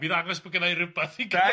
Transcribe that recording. Mi ddangos bod gynna i rywbeth i gyfrannu.